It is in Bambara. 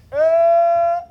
Ha